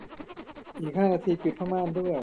อีกห้านาทีปิดผ้าม่านด้วย